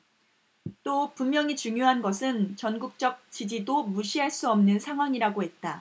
또 분명히 중요한 것은 전국적 지지도 무시할 수 없는 상황이라고 했다